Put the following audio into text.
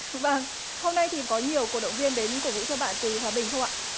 vâng hôm nay thì có nhiều cổ động viên đến cổ vũ cho bạn từ hòa bình không ạ